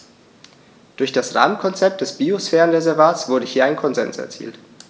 Durch das Rahmenkonzept des Biosphärenreservates wurde hier ein Konsens erzielt.